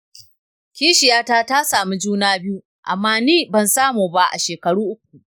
kishiyata ta samu juna biyu amma ni ban samu ba a shekaru uku.